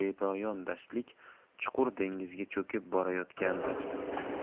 bepoyon dashtlik chuqur dengizga cho'kib borayotgandi